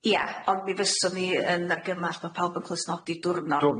Ia ond mi fyswn i yn argymall bo pawb yn clusnodi dwrnod.